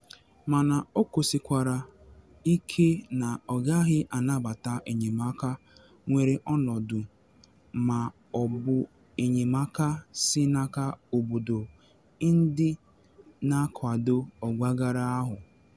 Mana o kwusikwara ike na ọ gaghị anabata enyemaka nwere ọnọdụ ma ọ bụ enyemaka si n’aka obodo ndị na akwado ọgbaghara ahụ.